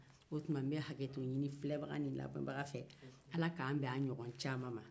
o tuma n bɛ hakɛto ɲini filɛbaga ni lamɛngaw fɛ